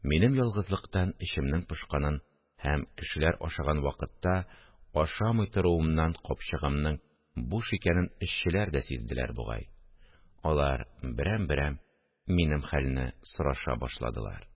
Минем ялгызлыктан эчемнең пошканын һәм кешеләр ашаган вакытта ашамый торуымнан капчыгымның буш икәнен эшчеләр дә сизделәр бугай, алар берәм-берәм минем хәлне сораша башладылар